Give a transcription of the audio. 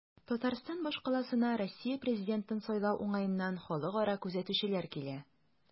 Татарстан башкаласына Россия президентын сайлау уңаеннан халыкара күзәтүчеләр килә.